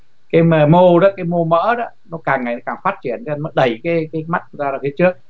cái mô đó mô mỡ đó nó càng ngày càng phát triển nó đẩy cái mắt ra phía trước